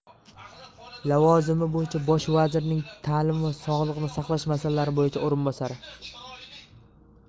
lavozimi bo'yicha bosh vazirning ta'lim va sog'liqni saqlash masalalari bo'yicha o'rinbosari